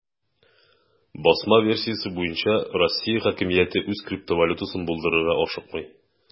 Басма версиясе буенча, Россия хакимияте үз криптовалютасын булдырырга ашыкмый.